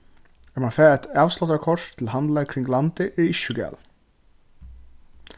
at mann fær eitt avsláttarkort til handlar kring landið er ikki so galið